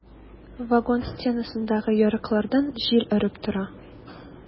Вагон стенасындагы ярыклардан җил өреп тора.